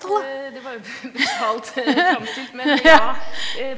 det var jo brutalt framstilt, men ja .